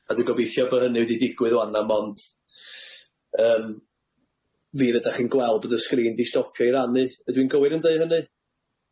A dwi gobeithio bo' hynny wedi digwydd ŵan na mond yym fi rydach chi'n gweld, bod y sgrin 'di stopio 'i rannu. Ydw i'n gywir yn deud hynny?